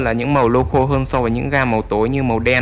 so với những gam màu tối như màu đen hay màu nâu đất